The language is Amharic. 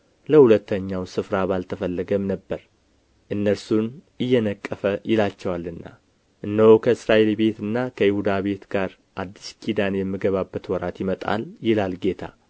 ለሁለተኛው ስፍራ ባልተፈለገም ነበር እነርሱን እየነቀፈ ይላቸዋልና እነሆ ከእስራኤል ቤትና ከይሁዳ ቤት ጋር አዲስ ኪዳን የምገባበት ወራት ይመጣል ይላል ጌታ